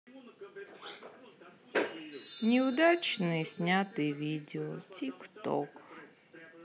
неудачные снятые видео тик ток